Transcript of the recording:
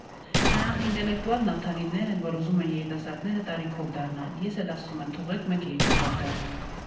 Նրանք ինտելեկտուալ նավթալիններ են, որ ուզում են երիտասարդները տարիքով դառնան, ես էլ ասում եմ՝ թողեք մենք երիտասարդ դառնանք։